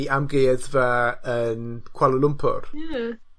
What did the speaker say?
I amgueddfa yn Kuala Lumpur.